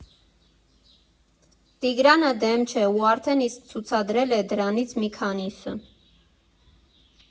Տիգրանը դեմ չէ ու արդեն իսկ ցուցադրել է դրանից մի քանիսը։